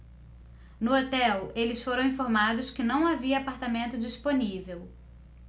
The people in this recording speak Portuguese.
no hotel eles foram informados que não havia apartamento disponível